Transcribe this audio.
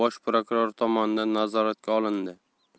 bosh prokuror tomonidan nazoratga olindi